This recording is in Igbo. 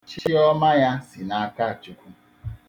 Chioma ya si n'aka Chukwu.